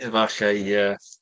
Efallai, ie.